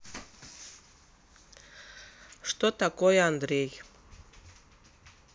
что такое андрей